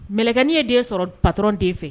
Mɛlɛkɛni ye den sɔrɔ d patron den fɛ